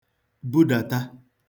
budàta